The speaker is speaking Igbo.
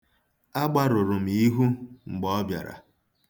Agbarụrụ m ihu mgbe ọ bịara.